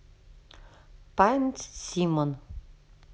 paul simon